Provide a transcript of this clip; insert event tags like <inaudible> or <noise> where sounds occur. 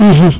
<hesitation> <hesitation>